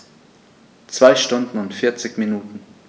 2 Stunden und 40 Minuten